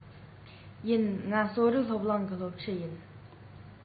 ཀྱི ཧུད དུས ནམ ཞིག ལ ང རང ཁོང དང མཇལ འཛོམས ཐུབ བམ